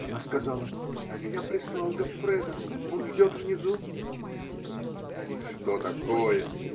Она сказала: -- Меня прислал Гоффредо. Он ждет внизу. -- Что такое?